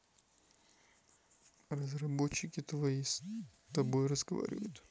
разработчики твои с тобой разговаривают